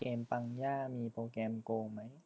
เกมปังย่ามีโปรแกรมโกงไหม